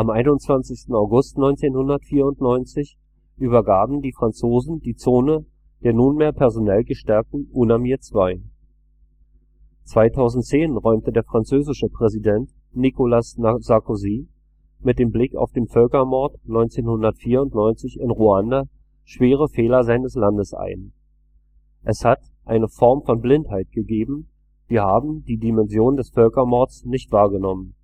21. August 1994 übergaben die Franzosen die Zone der nunmehr personell gestärkten UNAMIR II. 2010 räumte der französische Präsident Nicolas Sarkozy mit Blick auf den Völkermord 1994 in Ruanda schwere Fehler seines Landes ein. „ Es hat eine Form von Blindheit gegeben, wir haben die Dimension des Völkermords nicht wahrgenommen